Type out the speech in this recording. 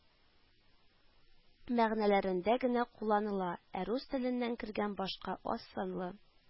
Мәгънәләрендә генә кулланыла, ә рус теленнән кергән башка аз санлы